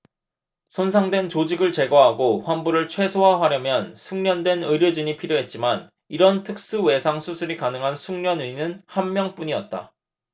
손상된 조직을 제거하고 환부를 최소화하려면 숙련된 의료진이 필요했지만 이런 특수외상 수술이 가능한 숙련의는 한 명뿐이었다